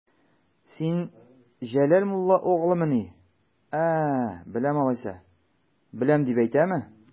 Син Җәләл мулла угълымыни, ә, беләм алайса, беләм дип әйтәме?